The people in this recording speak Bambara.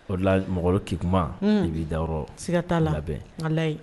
O la mɔgɔw k'i kuma i b'i da yɔrɔ siga t'a labɛn alayi